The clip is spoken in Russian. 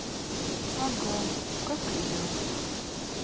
ага как я